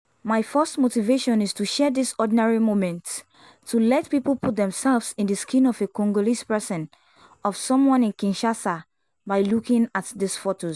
My first motivation is to share these ordinary moments, to let people put themselves in the skin of a Congolese person, of someone in Kinshasa, by looking at these photos.